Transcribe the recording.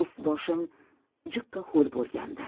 ust boshim jiqqa ho'l bo'lgandi